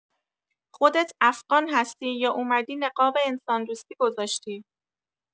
خودت افغان هستی یا اومدی نقاب انساندوستی گذاشتی؟